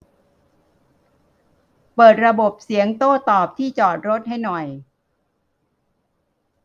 เปิดระบบเสียงโต้ตอบที่จอดรถให้หน่อย